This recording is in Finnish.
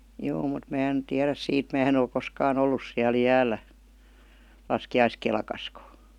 juu mutta minä en tiedä siitä minä en ole koskaan ollut siellä jäällä laskiaiskelkassakaan